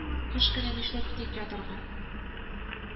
Кыш көне нишләп тик ятырга